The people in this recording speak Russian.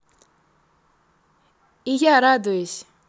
и я радуюсь